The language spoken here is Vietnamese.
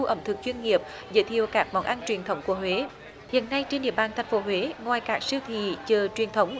khu ẩm thực chuyên nghiệp giới thiệu các món ăn truyền thống của huế hiện nay trên địa bàn thành phố huế ngoài các siêu thị chợ truyền thống